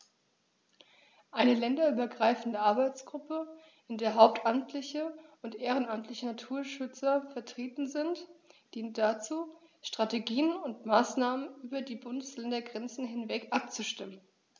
Eine länderübergreifende Arbeitsgruppe, in der hauptamtliche und ehrenamtliche Naturschützer vertreten sind, dient dazu, Strategien und Maßnahmen über die Bundesländergrenzen hinweg abzustimmen.